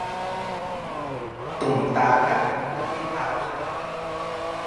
ตุ่มตาไก่ขึ้นที่เท้าฉัน